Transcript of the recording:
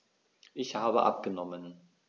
Ich habe abgenommen.